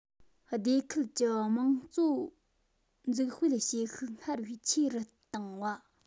སྡེ ཁུལ གྱི དམངས གཙོ འཛུགས སྤེལ བྱེད ཤུགས སྔར བས ཆེ རུ བཏང བ